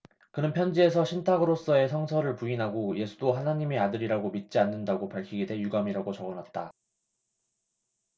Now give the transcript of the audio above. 그는 편지에서 신탁으로써의 성서를 부인하고 예수도 하나님의 아들이라고 믿지 않는다고 밝히게 돼 유감이라고 적어놨다